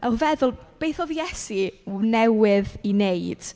O feddwl beth oedd Iesu w- newydd ei wneud.